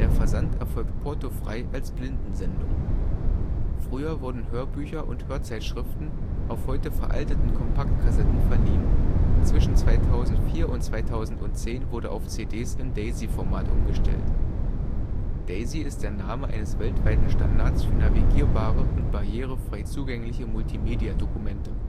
Versand erfolgt portofrei als Blindensendung. Früher wurden Hörbücher und Hörzeitschriften auf heute veralteten Kompaktkassetten verliehen, zwischen 2004 und 2010 wurde auf CDs im DAISY-Format umgestellt. DAISY ist der Name eines weltweiten Standards für navigierbare und barrierefrei zugängliche Multimedia-Dokumente